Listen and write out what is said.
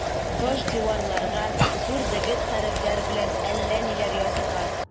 Таш диварларга зур дегет хәрефләр белән әллә ниләр язылган.